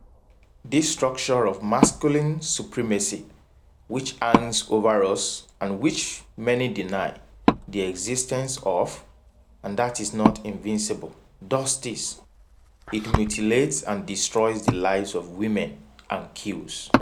This structure of masculine supremacy which hangs over us and which many deny the existence of — and that is not invisible — does this: it mutilates and destroys the lives of women and KILLS!